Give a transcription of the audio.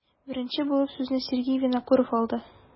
Беренче булып сүзне Сергей Винокуров алды.